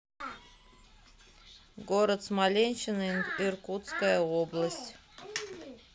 город смоленщина иркутская область